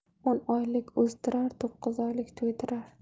o'n oylik o'zdirar to'qqiz oylik to'ydirar